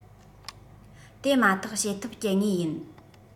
དེ མ ཐག བྱེད ཐབས སྤྱད ངེས ཡིན